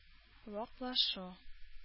Ваклашу